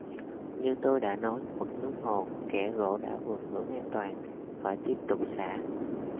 như tôi đã nói mực nước hồ kẻ gỗ đã vượt ngưỡng an toàn phải tiếp tục xả